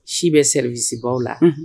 Si bɛ service baw la unhun